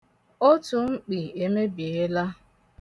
Otu mkpị emebiela.